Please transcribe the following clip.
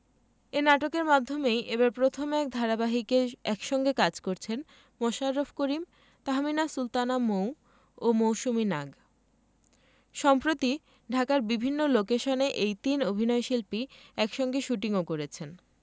এ নাটকের মাধ্যমেই এবারই প্রথম এক ধারাবাহিকে একসঙ্গে অভিনয় করছেন মোশাররফ করিম তাহমিনা সুলতানা মৌ ও মৌসুমী নাগ সম্প্রতি ঢাকার বিভিন্ন লোকেশনে এ তিন অভিনয়শিল্পী একসঙ্গে শুটিংও করেছেন